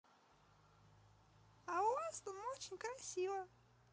а у вас там очень красиво